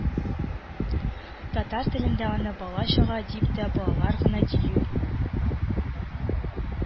Татар телендә аны «бала-чага» дип тә «балалар» гына дию